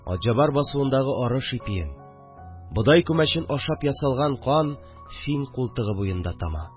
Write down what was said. Атҗабар басуындагы арыш ипиен, бодай күмәчен ашап ясалган кан Фин култыгы буенда тама